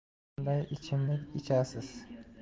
qanday ichimlik ichasiz